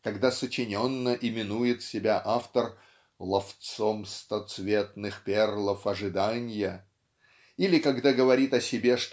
когда сочиненно именует себя автор "ловцом стоцветных перлов ожиданья" или когда говорит о себе